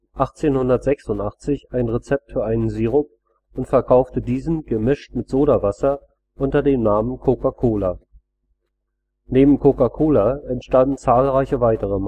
1886 ein Rezept für einen Sirup und verkaufte diesen, gemischt mit Sodawasser, unter dem Namen Coca-Cola. Werbung für regionale Colaproduktion in Yurimaguas, Peru Neben Coca-Cola entstanden zahlreiche weitere